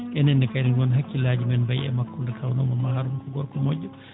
enen kadi won hakkillaaji men no mbayi e makko nde tawno Mamadou Harouna ko gorko moƴƴo